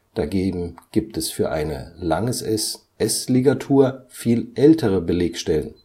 Dagegen gibt es für eine ſs-Ligatur viel ältere Belegstellen